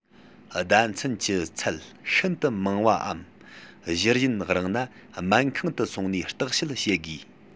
ཟླ མཚན གྱི ཚད ཤིན ཏུ མང བའམ བཞུར ཡུན རིང ན སྨན ཁང དུ སོང ནས བརྟག དཔྱད བྱེད དགོས